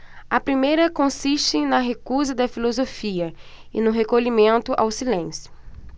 a primeira consiste na recusa da filosofia e no recolhimento ao silêncio